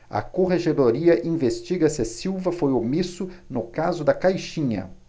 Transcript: a corregedoria investiga se silva foi omisso no caso da caixinha